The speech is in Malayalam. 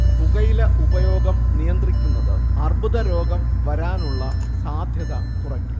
പുകയില ഉപയോഗം നിയന്ത്രിക്കുന്നത് അർബുദരോഗം വരാനുള്ള സാധ്യത കുറയ്ക്കും